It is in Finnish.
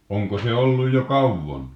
onko se ollut jo kauan